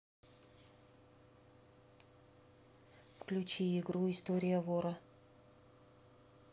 включи игру история вора